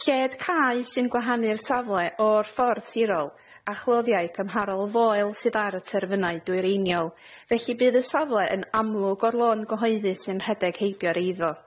Lled cae sy'n gwahanu'r safle o'r ffordd sirol, a chloddiau cymharol foel sydd ar y terfynau dwyreiniol, felly bydd y safle yn amlwg o'r lôn gyhoeddus sy'n rhedeg heibio'r eiddo.